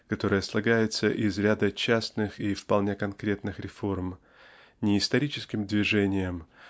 которое слагается из ряда частных и вполне конкретных реформ не "историческим движением"